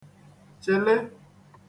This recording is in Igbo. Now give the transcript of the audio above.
chịlị